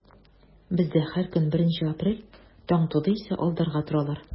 Бездә һәр көн беренче апрель, таң туды исә алдарга торалар.